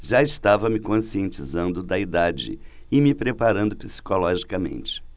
já estava me conscientizando da idade e me preparando psicologicamente